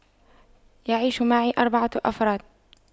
يعيش معي أربعة أفراد